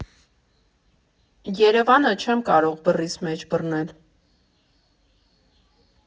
Երևանը չեմ կարող բռիս մեջ բռնել։